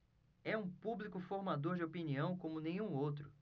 é um público formador de opinião como nenhum outro